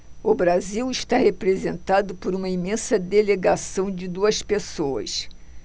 o brasil está representado por uma imensa delegação de duas pessoas